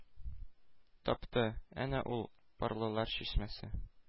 Тапты! Әнә ул – “Парлылар чишмәсе”!